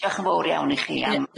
Diolch yn fowr iawn i chi am...